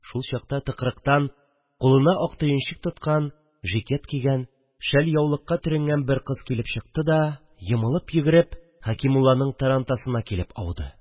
Шул чакта тыкрыктан кулына ак төенчек тоткан, жикет кигән, шәльяулыкка төренгән бер кыз килеп чыкты да, йомылып йөгереп, Хәкимулланың тарантасына килеп ауды